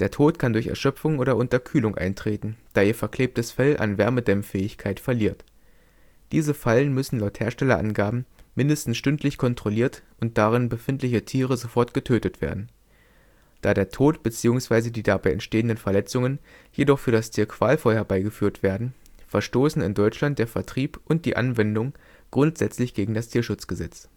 Tod kann durch Erschöpfung oder Unterkühlung eintreten, da ihr verklebtes Fell an Wärmedämmfähigkeit verliert. Diese Fallen müssen laut Herstellerangaben mindestens stündlich kontrolliert und darin befindliche Tiere sofort getötet werden. Da der Tod bzw. die dabei entstehenden Verletzungen jedoch für das Tier qualvoll herbeigeführt werden, verstoßen in Deutschland der Vertrieb und die Anwendung grundsätzlich gegen das Tierschutzgesetz